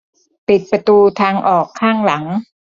ปิดประตูทางออกข้างหลัง